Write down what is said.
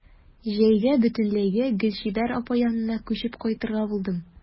Җәйгә бөтенләйгә Гөлчибәр апа янына күчеп кайтырга булдым.